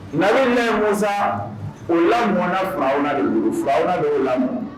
Naren bɛ mɔn sa o lamɔn na faawuna faawuna bɛ' lamɔmu